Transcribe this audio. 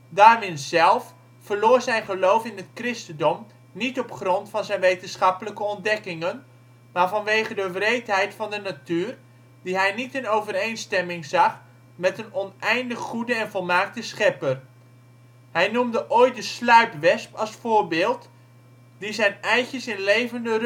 Darwin zelf verloor zijn geloof in het christendom niet op grond van zijn wetenschappelijke ontdekkingen, maar vanwege de wreedheid van de natuur, die hij niet in overeenstemming zag met een oneindig goede en volmaakte schepper. Hij noemde ooit de sluipwesp als voorbeeld, die zijn eitjes in levende